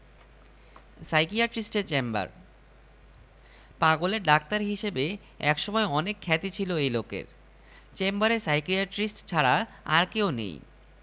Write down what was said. অল্প কিছুদিনের জন্য একটা মেয়ের প্রেমে পড়েছিলাম বুকে সাহস নিয়ে তাকে জানিয়েছিলামও একদিন কিন্তু মেয়েটা রাজি হয়নি কিছুদিন খুব কষ্টে কেটেছে প্রথম প্রেম বলে কথা